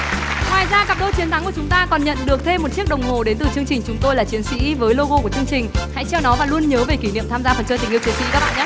ngoài ra cặp đôi chiến thắng của chúng ta còn nhận được thêm một chiếc đồng hồ đến từ chương trình chúng tôi là chiến sĩ với lô gô của chương trình hãy cho nó và luôn nhớ về kỷ niệm tham gia phần chơi tình yêu chiến sĩ các bạn nhá